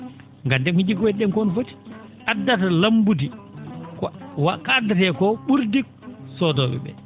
ngannden ko jiggoyto?en koo no foti addata lambudi ko ko addetee ko ?uurti soodoo?e ?ee